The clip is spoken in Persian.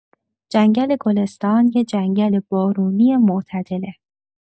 جنگل گلستان یه جنگل بارونی معتدله.